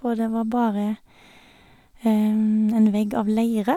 Og det var bare en vegg av leire.